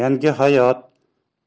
yangi hayot